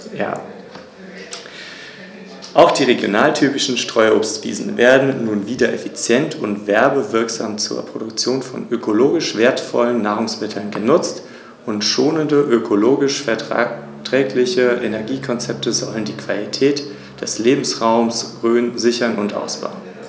Langfristig sollen wieder jene Zustände erreicht werden, wie sie vor dem Eintreffen des Menschen vor rund 5000 Jahren überall geherrscht haben.